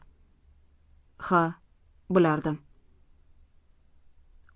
ha bilardim